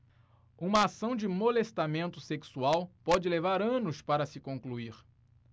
uma ação de molestamento sexual pode levar anos para se concluir